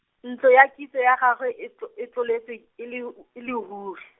ntlo ya kitso ya gagwe e tlo-, e tloletse, e le, e le ruri.